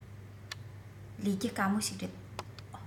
ལས རྒྱུ དཀའ མོ ཞིག རེད